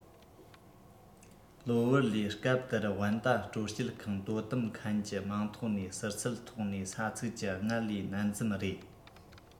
ལོ བར ལས སྐབས དེར དབན ཏ སྤྲོ སྐྱིད ཁང དོ དམ མཁན གྱི མིང ཐོག ནས ཟུར ཚད ཐོག ནས ས ཚིགས ཀྱི སྔར ལས ནན ཙམ རེད